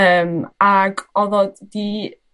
Yym ag oddo 'di